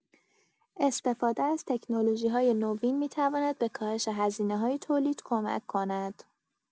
استفاده از تکنولوژی‌های نوین می‌تواند به کاهش هزینه‌های تولید کمک کند.